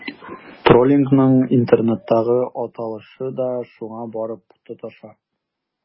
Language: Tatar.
Троллингның интернеттагы аталышы да шуңа барып тоташа.